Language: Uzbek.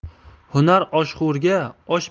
hunar oshxo'rga osh